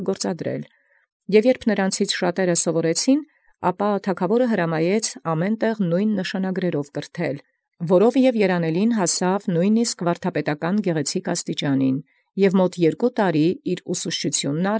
Եւ յորժամ բազումք ի նոցանէ տեղեկանային, ապա հրաման տայր ամենայն ուրեք նովին կրթել. որով և յաստիճան իսկ վարդապետութեան գեղեցիկ՝ երանելին հասանէր, և իբրև ամս երկու կարգեալ զվարդապետութիւն։